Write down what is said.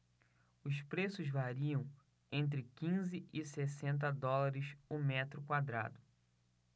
os preços variam entre quinze e sessenta dólares o metro quadrado